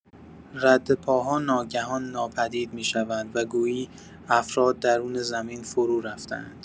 ردپاها ناگهان ناپدید می‌شوند و گویی، افراد درون زمین فرورفته‌اند.